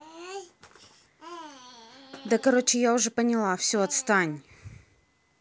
да короче я уже поняла все отстань